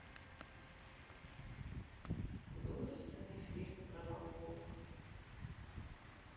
художественный фильм про рабов